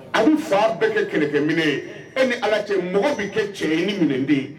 A bi faan bɛɛ kɛ kɛlɛkɛminɛn ye e ni Ala cɛ mɔgɔ bi kɛ cɛ ye ni minɛn te ye